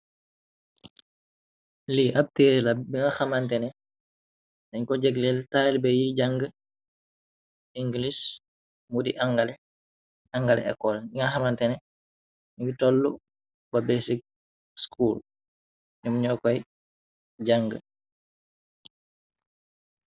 Lii ab tëer la binga xamantene dañ ko jëgleel taaribe yi jang ingalis mudi angale ecol dinga xamantene ñuy toll ba besik school ñum ño koy jàng